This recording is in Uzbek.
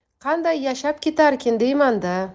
qanday yashab ketarkin deyman da